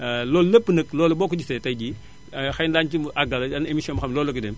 loolu lépp nag loolu boo ko gisee tay jii xëy na daañu ci àggale benn émission boo xam ne ni loolu *